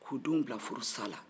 k'u denw bila furusa la